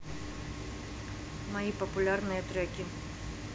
мои популярные треки